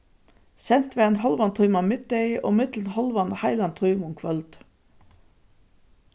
sent varð ein hálvan tíma á miðdegi og millum hálvan og heilan tíma um kvøldið